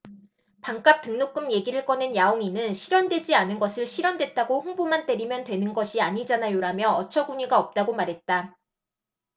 반값등록금 얘기를 꺼낸 냐옹이는 실현되지 않은 것을 실현됐다고 홍보만 때리면 되는 것이 아니잖아요라며 어처구니가 없다고 말했다